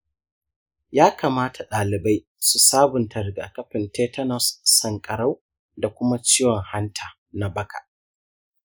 ya kamata ɗalibai su sabunta rigakafin tetanus, sankarau, da kuma ciwon hanta na baka.